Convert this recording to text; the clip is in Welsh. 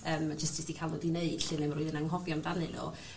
yym jyst jyst i ca'l n'w 'di neud 'lly ne' ma' rywun anghofio amdanyn n'w